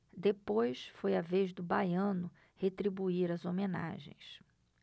depois foi a vez do baiano retribuir as homenagens